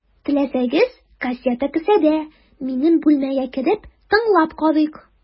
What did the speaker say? Теләсәгез, кассета кесәдә, минем бүлмәгә кереп, тыңлап карыйк.